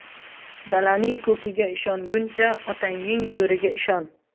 dalaning ko'kiga ishonguncha otangning go'riga ishon